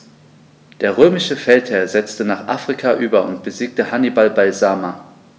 Der römische Feldherr setzte nach Afrika über und besiegte Hannibal bei Zama.